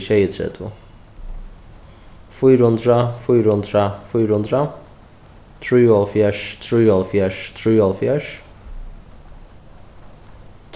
sjeyogtretivu fýra hundrað fýra hundrað fýra hundrað trýoghálvfjerðs trýoghálvfjerðs trýoghálvfjerðs